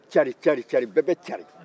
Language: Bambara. carin carin carin bɛɛ bɛ carin